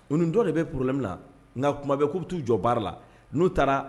U ni dɔ de bɛ porolenmina na nka kumabe k' bɛ t taau jɔ baara la n'u taara